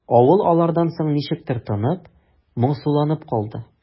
Авыл алардан соң ничектер тынып, моңсуланып калды.